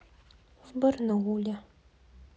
в барнауле